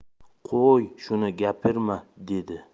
qo'y shuni gapirma dedi